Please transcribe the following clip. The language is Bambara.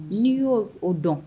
'i y'o oo dɔn